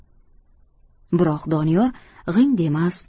biroq doniyor g'ing demas